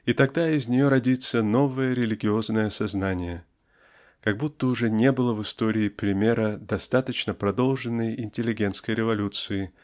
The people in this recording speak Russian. и тогда из нее родится новое религиозное сознание (как будто уже не было в истории примера достаточно продолженной интеллигентской революции